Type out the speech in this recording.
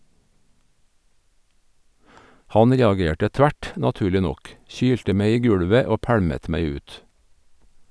Han reagerte tvert, naturlig nok, kylte meg i gulvet og pælmet meg ut.